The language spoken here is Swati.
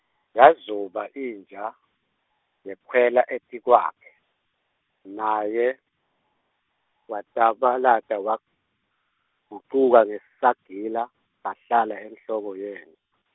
Yazuba inja, yekhwela etikwakhe, naye, wazabalaza, wagucuka ngesagila, basahlala enhloko yen-.